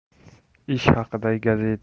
ish haqida gazetada